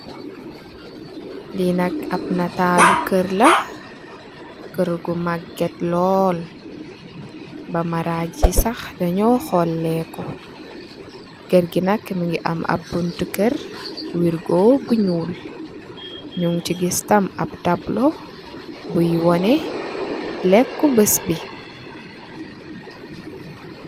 Leenak ab natalu kerr la kerr gu maget lol ba marang ye sah danu holeku kerr ge nak muge am ab bonte kerr werrgo bu njol nugse giss tam ab tablo boye wanee leku bess bi.